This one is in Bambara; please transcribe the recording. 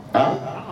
Un